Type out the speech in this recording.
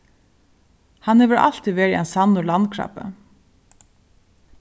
hann hevur altíð verið ein sannur landkrabbi